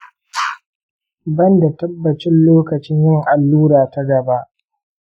ban da tabbacin lokacin yin allura ta gaba .